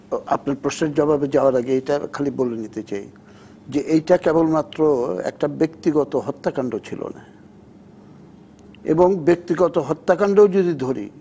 আপনার প্রশ্নের জবাবে যাওয়ার আগে খালি এইটা বলে নিতে চাই যে এটা কেবলমাত্র একটা ব্যক্তিগত হত্যাকাণ্ড ছিল না এবং ব্যক্তিগত হত্যাকাণ্ড ও যদি ধরি